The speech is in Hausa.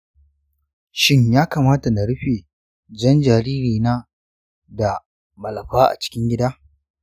shin ya kamata na rufe jan jaririna da malafa a cikin gida?